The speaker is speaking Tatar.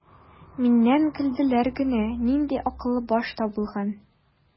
Миннән көлделәр генә: "Нинди акыллы баш табылган!"